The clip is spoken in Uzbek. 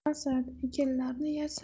asad ekinlarni yasat